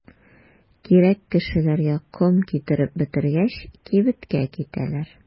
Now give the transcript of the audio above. Кирәк кешеләргә ком китереп бетергәч, кибеткә китәләр.